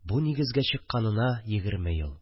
Бу нигезгә чыкканына егерме ел